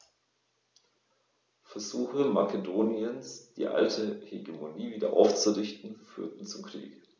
Versuche Makedoniens, die alte Hegemonie wieder aufzurichten, führten zum Krieg.